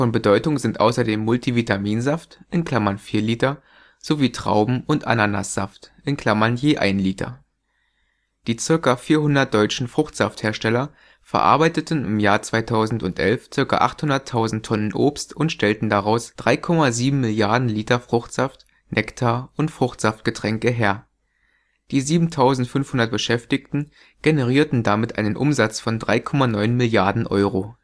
Bedeutung sind außerdem Multivitaminsaft (4 Liter) sowie Trauben - und Ananassaft (je 1 Liter). Die ca. 400 deutschen Fruchtsafthersteller verarbeiteten im Jahr 2011 ca. 800.000 Tonnen Obst und stellten daraus 3,7 Milliarden Liter Fruchtsaft, Nektar und Fruchtsaftgetränke her. Die 7.500 Beschäftigten generierten damit einen Umsatz von 3,9 Milliarden Euro